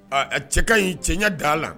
A cɛ ka ɲi cɛya da a la